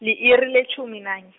li-iri letjhumi nanye.